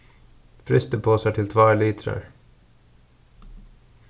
frystiposar til tveir litrar